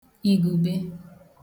ìgùbe